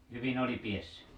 hyvin oli päässyt